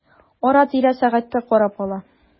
Ара-тирә сәгатькә карап ала.